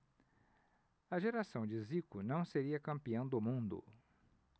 a geração de zico não seria campeã do mundo